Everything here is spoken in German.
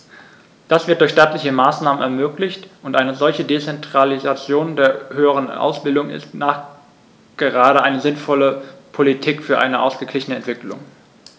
Das wird durch staatliche Maßnahmen ermöglicht, und eine solche Dezentralisation der höheren Ausbildung ist nachgerade eine sinnvolle Politik für eine ausgeglichene Entwicklung.